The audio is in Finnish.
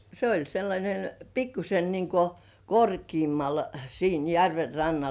se oli sellainen pikkuisen niin kuin korkeammalla siinä järven rannalla